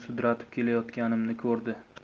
sudratib kelayotganimni ko'rdi